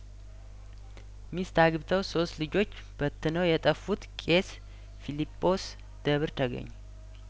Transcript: ሚስት አግብተው ሶስት ልጆችበት ነው የጠፉት ቄስ ፊሊጶስ ደብር ተገኙ